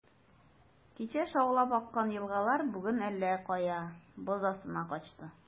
Кичә шаулап аккан елгалар бүген әллә кая, боз астына качты.